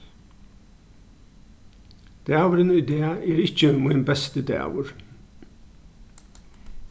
dagurin í dag er ikki mín besti dagur